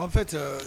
En fait